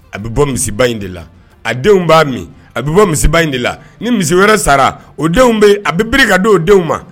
A bɛ bɔ misiba in de la a denw b'a min a bɛ bɔ misiba in de la ni misi wɛrɛ sara o denw bɛ yen a bɛ bere ka di o denw ma